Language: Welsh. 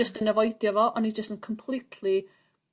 ...jyst yn afoidio fo a o'n i jyst yn completely